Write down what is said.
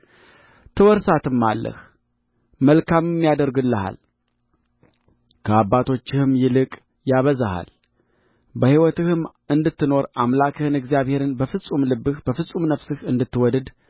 ትወርሳትማለህ መልካምም ያደርግልሃል ከአባቶችህም ይልቅ ያበዛሃል በሕይወትም እንድትኖር አምላክህን እግዚአብሔርን በፍጹም ልብህ በፍጹምም ነፍስህ እንድትወድድ